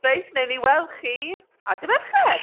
Reit, wnewn ni weld chi ar dydd Mercher.